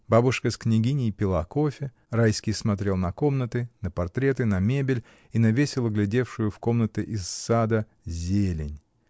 Бабушка с княгиней пила кофе, Райский смотрел на комнаты, на портреты, на мебель и на весело глядевшую в комнаты из сада зелень